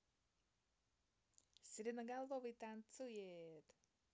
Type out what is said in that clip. сиреноголовый танцует